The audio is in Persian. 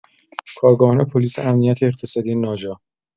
کارآگاهان پلیس امنیت اقتصادی ناجا